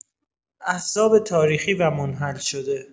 احزاب تاریخی و منحل‌شده